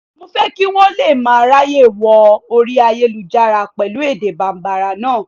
Mo fẹ́ kí wọ́n lè máa ráyè wọ orí ayélujára pẹ̀lú èdè Bambara náà.